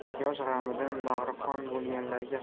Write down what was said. quyosh g'amidan bag'ri qon bo'lganlarga